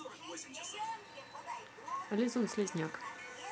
лизун слизняк